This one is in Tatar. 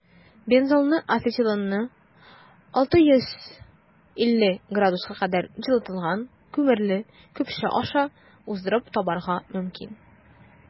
Бензолны ацетиленны 650 С кадәр җылытылган күмерле көпшә аша уздырып табарга мөмкин.